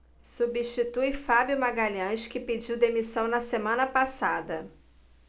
substitui fábio magalhães que pediu demissão na semana passada